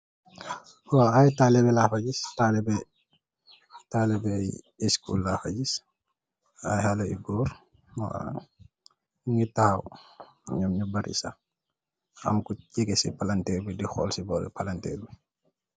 Waw aye talibeh lafa giss talibeh talibeh ischool lafe giss aye haleh yu goor waw nuge tahaw num nu bary sah am ku jegeh se palanterr be de hole se bore palanterr be.